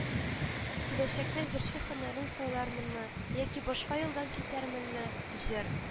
– киләчәктә җырчы һөнәрен сайлармынмы яки башка юлдан китәрменме – җыр